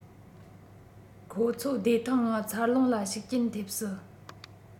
ཁོ ཚོ བདེ ཐང ངང འཚར ལོངས ལ ཤུགས རྐྱེན ཐེབས སྲིད